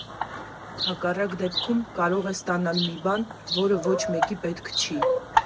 Հակառակ դեպքում, կարող է ստանաս մի բան, որը ոչ մեկի պետք չի։